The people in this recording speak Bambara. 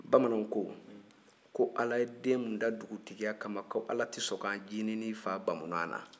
bamanw ko ko ala ye den min da dugutigiya kama ko ala tɛ sɔn k'a ncinin faga bamunan na